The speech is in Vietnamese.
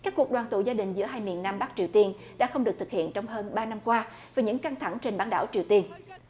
các cuộc đoàn tụ gia đình giữa hai miền nam bắc triều tiên đã không được thực hiện trong hơn ba năm qua với những căng thẳng trên bán đảo triều tiên